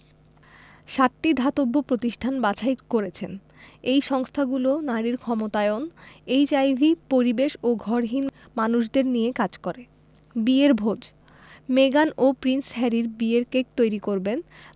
সাতটি ধাতব্য প্রতিষ্ঠান বাছাই করেছেন এই সংস্থাগুলো নারীর ক্ষমতায়ন এইচআইভি পরিবেশ ও ঘরহীন মানুষদের নিয়ে কাজ করে বিয়ের ভোজ মেগান ও প্রিন্স হ্যারির বিয়ের কেক তৈরি করবেন